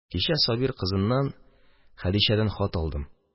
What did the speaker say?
Кичә Сабир кызыннан, Хәдичәдән, хат алдым.